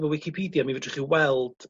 efo Wicipidia mi fedrwch chi weld